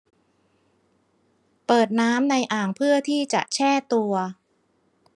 เปิดน้ำในอ่างเพื่อที่จะแช่ตัว